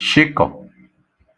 shịkọ̀